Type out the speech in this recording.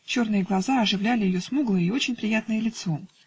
Черные глаза оживляли ее смуглое и очень приятное лицо.